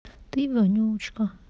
ты вонючка